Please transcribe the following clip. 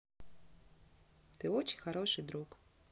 ты очень хороший друг